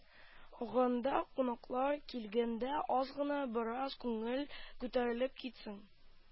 Ганда, кунаклар килгәндә аз гына, бераз күңел күтәрелеп китсен